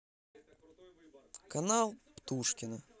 канал птушкина